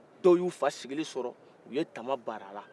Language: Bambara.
dɔw y'u fa sigilen sɔrɔ u ye tama bara a la